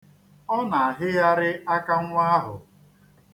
Ọ na-ahịgharị aka nnwa ahụ.